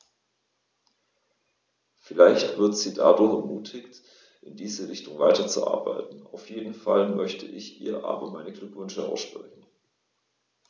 Vielleicht wird sie dadurch ermutigt, in diese Richtung weiterzuarbeiten, auf jeden Fall möchte ich ihr aber meine Glückwünsche aussprechen.